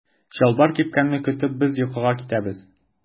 Чалбар кипкәнне көтеп без йокыга китәбез.